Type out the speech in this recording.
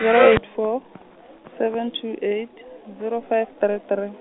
zero eight four, seven two eight, zero five three three.